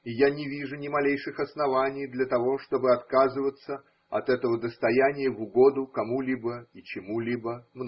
И я не вижу ни малейших оснований для того, чтобы отказываться от этого достояния в угоду кому-либо и чему-либо.